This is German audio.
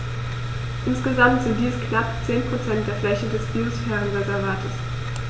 Insgesamt sind dies knapp 10 % der Fläche des Biosphärenreservates.